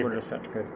?ura sattu kay